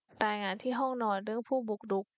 รายงานที่ห้องนอนเรื่องผู้บุกรุก